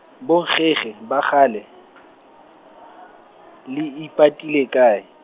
bonkgekge, ba kgale , le ipatile kae?